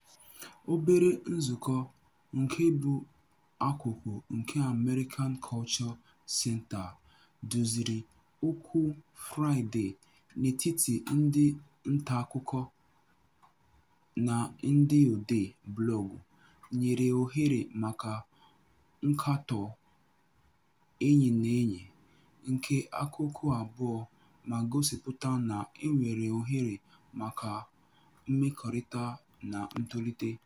Obere nzukọ nke bụ akụkụ nke American Cultural Center duziri "Okwu Fraịdee" n'etiti ndị ntaakụkọ na ndị odee blọọgụ nyere ohere maka nkatọ enyi na enyi nke akụkụ abụọ ma gosịpụta na e nwere ohere maka mmekọrịta na ntolite.